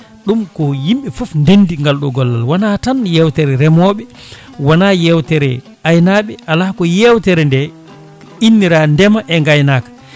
ɗum ko yimɓe foof dendi galɗo gollal woona tan yewtere remoɓe woona yewtere aynaɓe ala ko yewtere nde innira ndeema e gaynaka